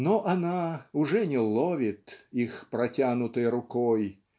Но она уже не ловит Их протянутой рукой